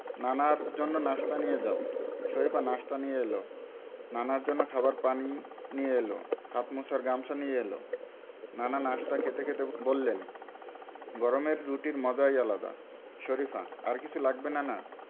নানার জন্য নাশতা নিয়ে যাও শরিফা নাশতা নিয়ে এলো নানার জন্য খাবার পানি নিয়ে এলো হাত মোছার গামছা নিয়ে এলো নানা নাশতা খেতে খেতে বললেন গরমের রুটির মজাই আলাদা শরিফা আর কিছু লাগবে নানা